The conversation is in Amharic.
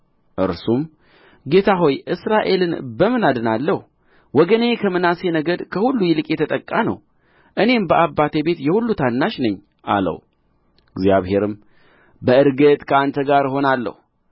እርሱም ጌታ ሆይ እስራኤልን በምን አድናለሁ ወገኔ ከምናሴ ነገድ ከሁሉ ይልቅ የተጠቃ ነው እኔም በአባቴ ቤት የሁሉ ታናሽ ነኝ አለው እግዚአብሔርም በእርግጥ ከአንተ ጋር እሆናለሁ